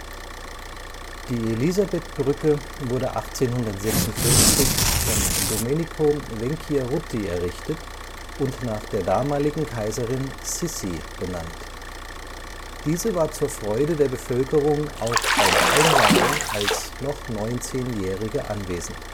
Die Elisabeth Brücke wurde 1856 von Domenico Venchiarutti errichtet und nach der damaligen Kaiserin „ Sisi “benannt. Diese war zur Freude der Bevölkerung auch bei der Einweihung als noch 19-jährige anwesend